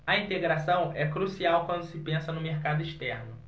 a integração é crucial quando se pensa no mercado externo